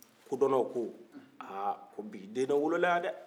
kodɔnnaw ko aa ko bi den dɔ wolo la yan dɛ